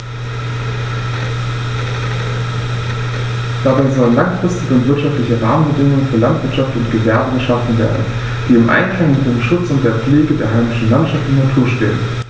Dabei sollen langfristige und wirtschaftliche Rahmenbedingungen für Landwirtschaft und Gewerbe geschaffen werden, die im Einklang mit dem Schutz und der Pflege der heimischen Landschaft und Natur stehen.